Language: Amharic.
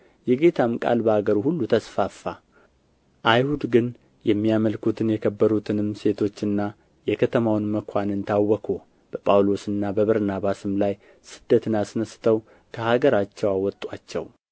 የጌታም ቃል በአገሩ ሁሉ ተስፋፋ አይሁድ ግን የሚያመልኩትን የከበሩትንም ሴቶችና የከተማውን መኳንንት አወኩ በጳውሎስና በበርናባስም ላይ ስደትን አስነሥተው ከአገራቸው አወጡአቸው